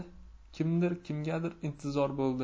kimdir kimgadir intizor bo'ldi